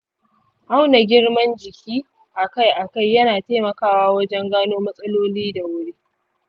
auna girman jiki akai-akai yana taimakawa wajen gano matsaloli da wuri